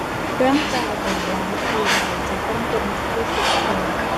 ร่างกายอ่อนล้าทีไรจะต้องเป็นไข้ทุกที